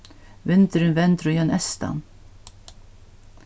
vindurin vendur í ein eystan